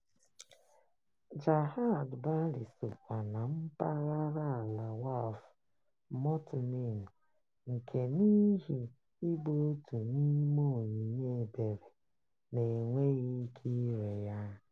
Jahaj Bari sokwa na mpaghara ala Waqf (mortmain) nke, n'ihi ịbụ otu n'ime onyinye ebere, na e nweghị ike ire ya.